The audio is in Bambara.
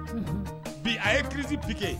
Bi a ye crise piqué